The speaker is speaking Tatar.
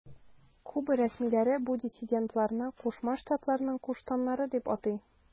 Куба рәсмиләре бу диссидентларны Кушма Штатларның куштаннары дип атый.